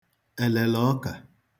èlèlè ọkà